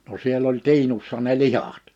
no siellä oli tiinussa ne lihat